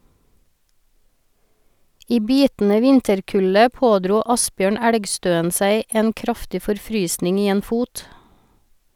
I bitende vinterkulde pådro Asbjørn Elgstøen seg en kraftig forfrysning i en fot.